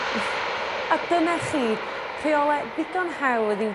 A dyna chi rheole ddigon hawdd i'w